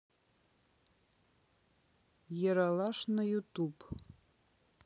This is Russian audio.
ералаш на ютуб